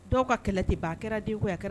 Dɔw ka kɛlɛti ba a kɛra den a kɛra